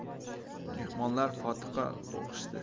mehmonlar fotiha o'qishdi